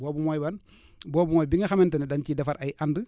boobu mooy ban boobu mooy bi nga xamante ne dañ ciy defar ay and